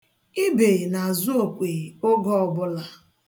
Ibe na-azụ okwe oge ọbụla.